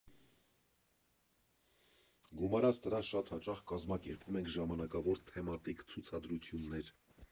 Գումարած դրան, շատ հաճախ կազմակերպում ենք ժամանակավոր թեմատիկ ցուցադրություններ։